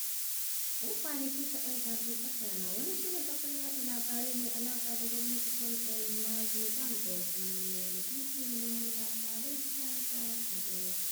Yan kwanaki kaɗan kafin ɓatana, wani shirin kafar yaɗa labarai mai alaƙa da gwamnati Con el Mazo Dando sun nuna wani bidiyo na wani labarai na baya-baya na Diaz.